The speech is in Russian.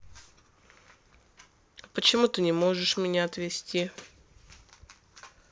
а почему ты не можешь меня отвезти